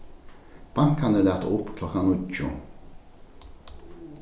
bankarnir lata upp klokkan níggju